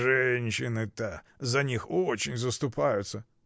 — Женщины-то за них очень заступаются!